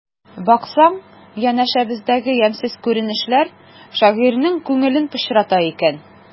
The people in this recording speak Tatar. Баксаң, янәшәбездәге ямьсез күренешләр шагыйрьнең күңелен пычрата икән.